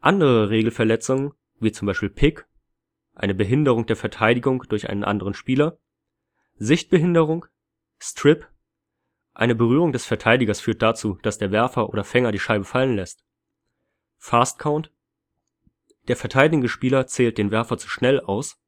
Andere Regelverletzungen, wie zum Beispiel Pick (Behinderung der Verteidigung durch einen anderen Spieler), Sichtbehinderung, Strip (Eine Berührung des Verteidigers führt dazu, dass der Werfer oder Fänger die Scheibe fallen lässt.), Fast Count (Der verteidigende Spieler zählt den Werfer zu schnell aus),